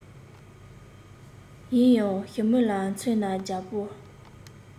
ཡིན ཡང ཞི མི ལ མཚོན ན རྒྱལ པོར